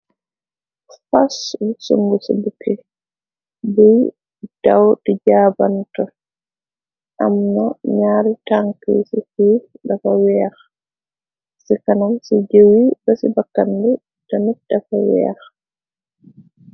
Fas lu sungu ci bukke biy daw di jaabanta am na ñaari tank ci fii dafa weex ci kanam ci jëwyi ba ci bakkand tamit dafa weex.